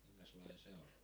minkäslainen se oli